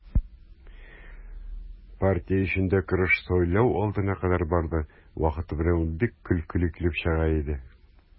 Партия эчендә көрәш сайлау алдына кадәр барды, вакыты белән ул бик көлкеле килеп чыга иде.